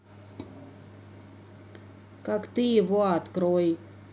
как ты его открой